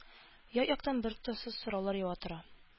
Як-яктан бертуктаусыз сораулар ява тора.